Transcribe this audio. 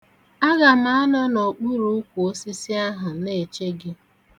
Aga m anọ n'okpuru ukwuosisi ahụ na-eche gị.